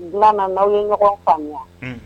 Tuma aw ni ɲɔgɔn faamuya